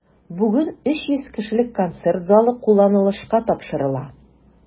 Бүген 300 кешелек концерт залы кулланылышка тапшырыла.